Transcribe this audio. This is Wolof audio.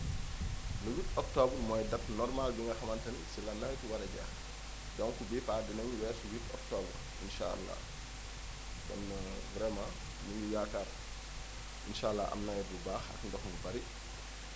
le 8 octobre mooy date normale bi nga xamante ni si la nawet bi war a jeex donc bii paa dinañ weesu 8 octobre incha allah kon vraiment ñu ngi yaakaar incha allah am nawet bu baax ak ndox mu bëri